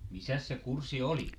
missäs se kurssi oli